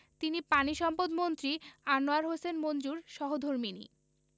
তিনি পানিসম্পদমন্ত্রী আনোয়ার হোসেন মঞ্জুর সহধর্মিণী